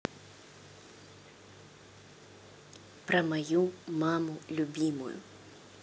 про мою маму любимую